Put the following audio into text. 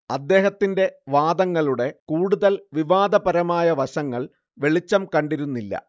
അദ്ദേഹത്തിന്റെ വാദങ്ങളുടെ കൂടുതൽ വിവാദപരമായ വശങ്ങൾ വെളിച്ചം കണ്ടിരുന്നില്ല